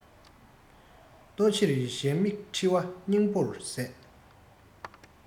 ལྟོ ཕྱིར གཞན མིག ཁྲེལ བ སྙིང པོ ཟད